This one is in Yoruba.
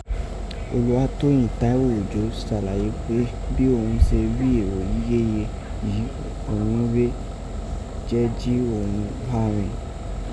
Olúwatóyìn Táíwò Òjó sàlàyé pé bí òghun se rí èrò yìí yéye yìí òghun rèé jẹ́ ji òghun há rin.